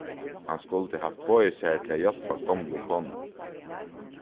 hann skuldi havt boðið sær til at hjálpa gomlu konuni